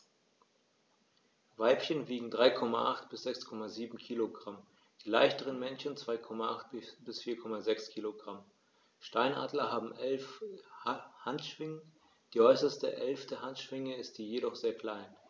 Weibchen wiegen 3,8 bis 6,7 kg, die leichteren Männchen 2,8 bis 4,6 kg. Steinadler haben 11 Handschwingen, die äußerste (11.) Handschwinge ist jedoch sehr klein.